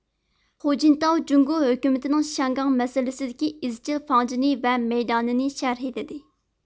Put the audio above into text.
خۇجىنتاۋ جۇڭگو ھۆكۈمىتىنىڭ شياڭگاڭ مەسىلىسىدىكى ئىزچىل فاڭجېنى ۋە مەيدانىنى شەرھلىدى